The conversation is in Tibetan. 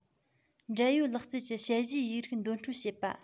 འབྲེལ ཡོད ལག རྩལ གྱི དཔྱད གཞིའི ཡིག རིགས འདོན སྤྲོད བྱེད པ